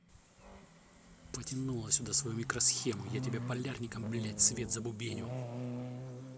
потянуло сюда свою микросхему я тебе полярником блять свет забубеню